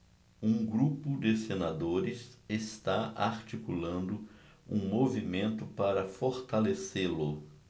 um grupo de senadores está articulando um movimento para fortalecê-lo